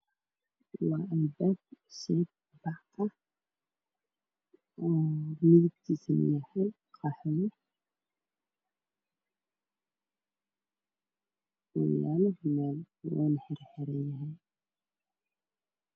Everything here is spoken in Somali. Waa albaab silig ah midabkiisu yahay qaxwi oo yaalo finand wuuna xirxiran yhy